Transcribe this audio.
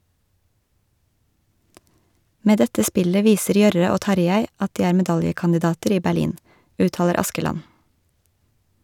Med dette spillet viser Jørre og Tarjei at de er medaljekandidater i Berlin, uttaler Askeland.